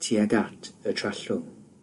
tuag at y Trallwng.